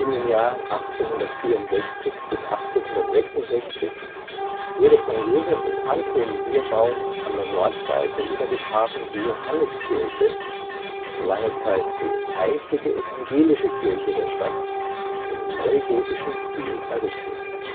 den Jahren 1864 bis 1866 wurde von Josef und Anton Bierbaum an der Nordseite über dem Hafen die Johanneskirche – lange Zeit die einzige evangelische Kirche der Stadt – im neugotischen Stil errichtet